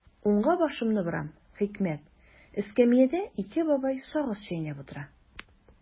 Уңга башымны борам– хикмәт: эскәмиядә ике бабай сагыз чәйнәп утыра.